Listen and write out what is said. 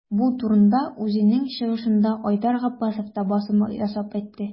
Бу турыда үзенең чыгышында Айдар Габбасов та басым ясап әйтте.